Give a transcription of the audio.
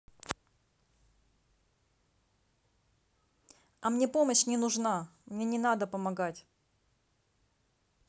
а мне помощь не нужна мне не надо помогать